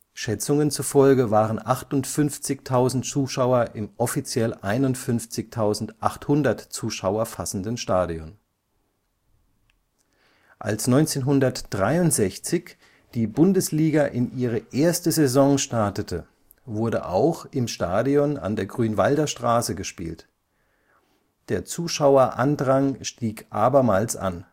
Schätzungen zufolge waren 58.000 Zuschauer im offiziell 51.800 Zuschauer fassenden Stadion. Als 1963 die Bundesliga in ihre erste Saison startete, wurde auch im Stadion an der Grünwalder Straße gespielt. Der Zuschauerandrang stieg abermals an